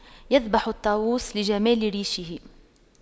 يذبح الطاووس لجمال ريشه